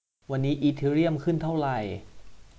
วันนี้อีเธอเรียมขึ้นเท่าไหร่